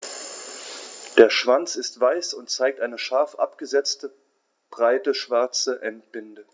Der Schwanz ist weiß und zeigt eine scharf abgesetzte, breite schwarze Endbinde.